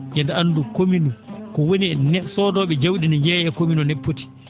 yo ?e anndu commune ko woni e neh soodoo?e jawdi ne jeeya commune no ne poti